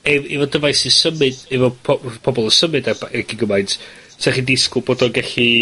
ef- efo dyfais i symud, efo pob- f- pobol yn symud a ba- yy cyn gymaint, 'sa chi'n disgwl bod o'n gellu